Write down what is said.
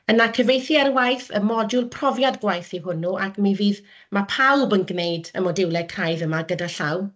Yna cyfieithu ar waith y modiwl profiad gwaith yw hwnnw ac mi fydd... ma' pawb yn gwneud y modiwlau craidd yma gyda llaw,